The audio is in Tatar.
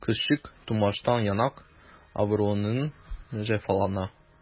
Кызчык тумыштан яңак авыруыннан җәфалана.